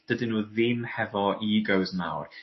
dydyn n'w ddim hefo egos mawr.